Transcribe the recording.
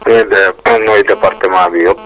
* mooy département bi yëpp